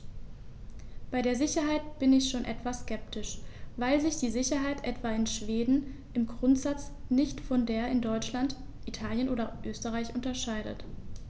Bei der Sicherheit bin ich schon etwas skeptisch, weil sich die Sicherheit etwa in Schweden im Grundsatz nicht von der in Deutschland, Italien oder Österreich unterscheidet.